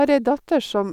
Har ei datter som...